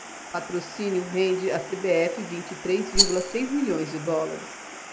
patrocínio rende à cbf vinte e três vírgula seis milhões de dólares